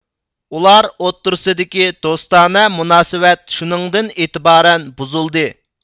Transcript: ئۇلار ئوتتۇرىسىدىكى دوستانە مۇناسىۋەت شۇنىڭدىن ئېتىبارەن بۇزۇلدى